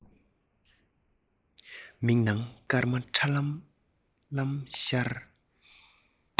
མིག ནང སྐར མ ཁྲ ལམ ལམ ཤར